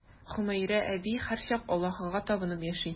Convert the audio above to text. Хөмәйрә әби һәрчак Аллаһыга табынып яши.